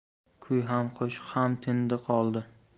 kuy ham qo'shiq ham tindi qoldi